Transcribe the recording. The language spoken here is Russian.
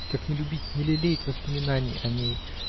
Как не любить, не лелеять воспоминаний о ней?